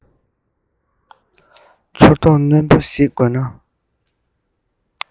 ཚོར རྟོག རྣོན པོ ཞིག དགོས ན